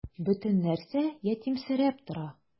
Бөтен нәрсә ятимсерәп тора.